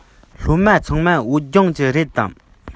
སློབ མ ཚང མ བོད ལྗོངས ཀྱི རེད དམ